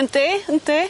Yndi yndi.